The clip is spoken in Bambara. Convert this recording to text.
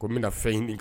Ko n bɛna na fɛn ɲini